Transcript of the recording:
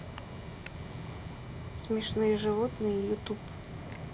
смешные животные ютуб